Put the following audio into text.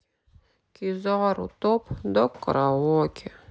кизару топ дог караоке